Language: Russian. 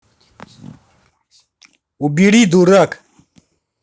убери дурак